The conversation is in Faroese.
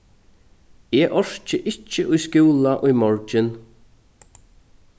eg orki ikki í skúla í morgin